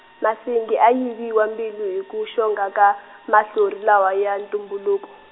Masungi a yiviwa mbilu hi ku xonga ka, mahlori lawa ya ntumbuluko.